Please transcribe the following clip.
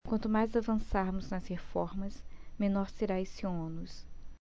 quanto mais avançarmos nas reformas menor será esse ônus